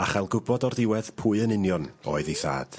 A chael gwbod o'r diwedd pwy yn union oedd 'i thad.